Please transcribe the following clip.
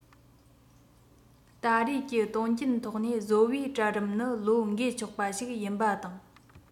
ད རེས ཀྱི དོན རྐྱེན ཐོག ནས བཟོ པའི གྲལ རིམ ནི བློས འགེལ ཆོག པ ཞིག ཡིན པ དང